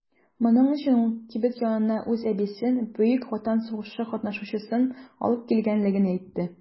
Моның өчен ул кибет янына үз әбисен - Бөек Ватан сугышы катнашучысын алып килгәнлеген әйтте.